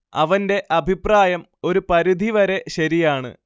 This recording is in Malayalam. അവന്റെ അഭിപ്രായം ഒരു പരിധി വരെ ശരിയാണ്